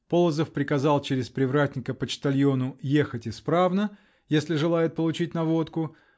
Полозов приказал через привратника почтальону ехать исправно -- если желает получить на водку